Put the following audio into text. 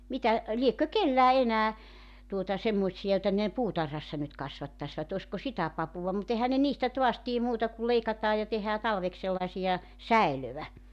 mitä liekö kenelläkään enää tuota semmoisia joita ne puutarhassa nyt kasvattaisivat olisiko sitä papua mutta eihän ne niistä taas tee muuta kuin leikataan ja tehdään talveksi sellaisia säilöä